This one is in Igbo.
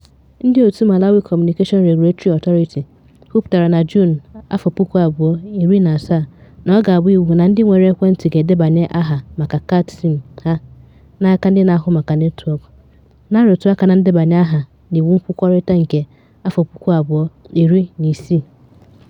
Ndịòtù Malawi Communication Regulatory Authority kwupụtara na Juun 2017 na ọ ga-abụ iwu na ndị nwere ekwentị ga-edebanye aha maka kaadị SIM ha n'aka ndị na-ahụ maka netwọk, na-arụtụaka na ndebanye aha n'Iwu Nkwukọrịta nke 2016.